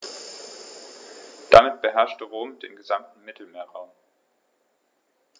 Damit beherrschte Rom den gesamten Mittelmeerraum.